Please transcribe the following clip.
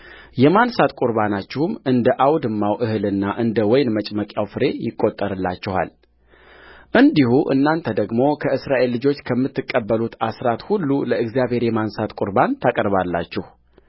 የማንሣት ቍርባናችሁም እንደ አውድማው እህልና እንደ ወይን መጭመቂያው ፍሬ ይቈጠርላችኋልእንዲሁ እናንተ ደግሞ ከእስራኤል ልጆች ከምትቀበሉት አሥራት ሁሉ ለእግዚአብሔር የማንሣት ቍርባን ታቀርባላችሁ